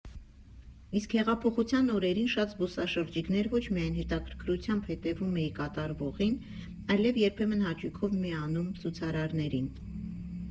Իսկ հեղափոխության օրերին շատ զբոսաշրջիկներ ոչ միայն հետաքրքրությամբ հետևում էի կատարվողին, այլև երբեմն հաճույքով միանում ցուցարարներին։